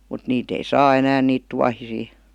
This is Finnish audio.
mutta niitä ei saa enää niitä tuohisia